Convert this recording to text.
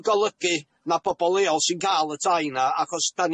yn golygu na pobol leol sy'n ca'l y tai 'na achos 'dan